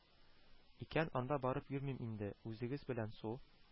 Икән, анда барып йөрмим инде, үзегез белән су